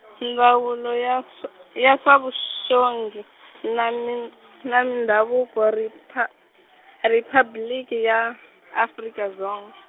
Ndzawulo ya sw- ya swa Vuxongi na Min- na Mindhavuko Ripha- Riphabliki ya, Afrika Dzong-.